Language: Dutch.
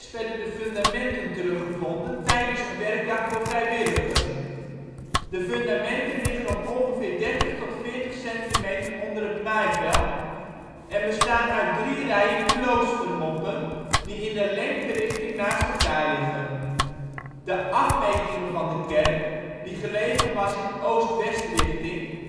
werden de fundamenten teruggevonden tijdens een werkdag door vrijwilligers. De fundamenten liggen op ongeveer 30 tot 40 centimeter onder het maaiveld en bestaan uit 3 rijen kloostermoppen die in de lengterichting naast elkaar liggen. De afmetingen van de kerk, die gelegen was in oost-westrichting